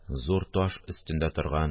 Зур таш өстендә торган